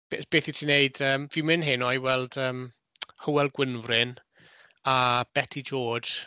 Be- beth wyt ti'n wneud? Yym fi'n mynd heno i weld yym Hywel Gwynfryn a Betty George